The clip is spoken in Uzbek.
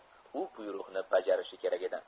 u buyruqni bajarishi kerak edi